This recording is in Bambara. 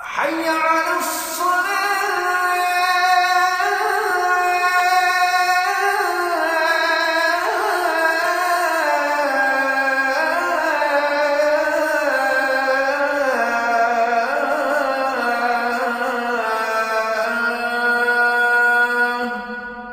A ya